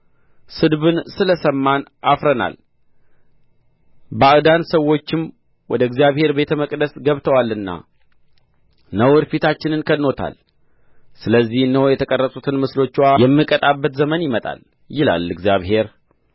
ስድብን ስለ ሰማን አፍረናል ባዕዳን ሰዎችም ወደ እግዚአብሔር ቤተ መቅደስ ገብተዋልና ነውር ፊታችንን ከድኖታል ስለዚህ እነሆ የተቀረጹትን ምስሎችዋ የምቀጣበት ዘመን ይመጣል ይላል እግዚአብሔር